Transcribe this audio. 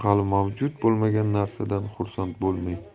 hali mavjud bo'lmagan narsadan xursand bo'lmang